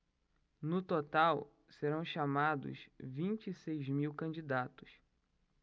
no total serão chamados vinte e seis mil candidatos